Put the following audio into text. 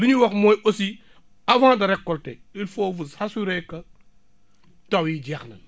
li ñuy wax mooy aussi avant de récolter il faut vous assurer que taw yi jeex na